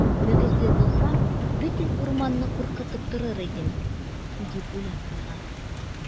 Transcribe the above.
Мөгезле булсам, бөтен урманны куркытып торыр идем, - дип уйлап куйган.